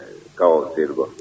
eyyi kaw seydi Ba